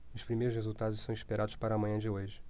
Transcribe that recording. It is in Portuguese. os primeiros resultados são esperados para a manhã de hoje